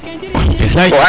bilay